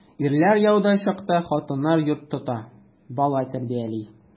Ирләр яуда чакта хатыннар йорт тота, бала тәрбияли.